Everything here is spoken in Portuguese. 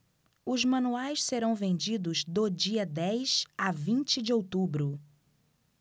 os manuais serão vendidos do dia dez a vinte de outubro